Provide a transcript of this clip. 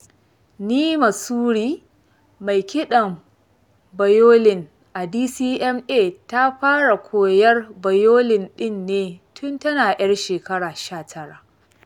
Neema Surri, mai kiɗan bayolin a DCMA ta fara koyar bayolin ɗin ne tun tana 'yar shekaru 19.